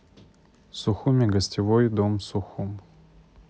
сухуми гостевой дом сухум